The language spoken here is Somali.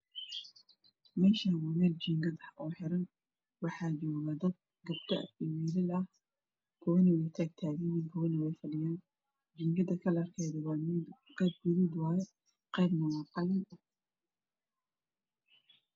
Meeshaan waa meel. jiingad ah oo xiran waxaa joogo dad gabdho iyo wiilal ah kuwana way taag taganyihiin kuwana way fadhiyaan jiingada kalarkedu wa midab guduud ah waaye qaybna waa qalin